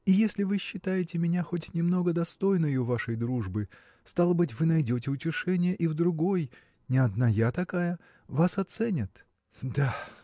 и если вы считаете меня хоть немного достойною вашей дружбы стало быть вы найдете утешение и в другой не одна я такая. вас оценят. – Да!